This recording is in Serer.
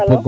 alo